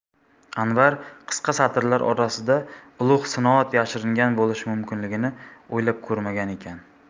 anvar qisqa satrlar orasida ulug' sinoat yashiringan bo'lishi mumkinligini o'ylab ko'rmagan ekan